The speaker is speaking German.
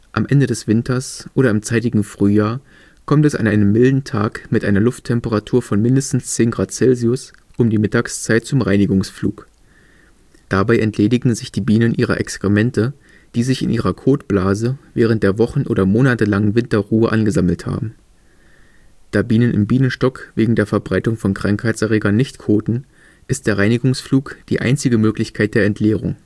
Am Ende des Winters oder im zeitigen Frühjahr kommt es an einem milden Tag mit einer Lufttemperatur von mindestens 10 °C um die Mittagszeit zum Reinigungsflug. Dabei entledigen sich die Bienen ihrer Exkremente, die sich in ihrer Kotblase während der wochen - oder monatelangen Winterruhe angesammelt haben. Da Bienen im Bienenstock wegen der Verbreitung von Krankheitserregern nicht koten, ist der Reinigungsflug die einzige Möglichkeit der Entleerung